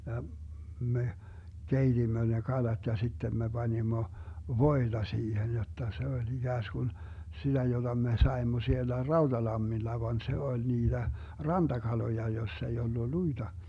ja me keitimme ne kalat ja sitten me panimme voita siihen jotta se oli ikään kuin sitä jota me saimme siellä Rautalammilla vaan se oli niitä rantakaloja jossa ei ollut luita